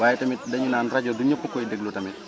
waye tamit dañu naan rajo du ñepp a koy déglu tamit